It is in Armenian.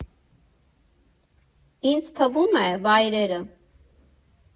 Ինձ թվում է՝ վայրերը։